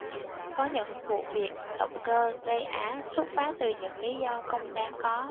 có những vụ việc động cơ gây án xuất phát từ những lý do không đáng có